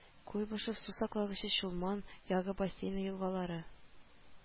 Куйбышев сусаклагычын Чулман ягы бассейны елгалары